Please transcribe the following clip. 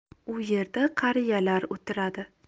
u yerda qariyalar o'tiradi